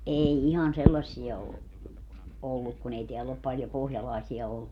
ei ihan sellaisia ole ollut kun ei täällä ole paljon pohjalaisia ollut